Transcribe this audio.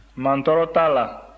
mantɔɔrɔ t'a la